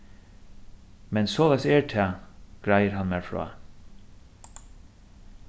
men soleiðis er tað greiðir hann mær frá